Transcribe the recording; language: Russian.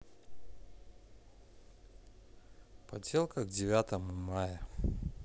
поделка к девятому мая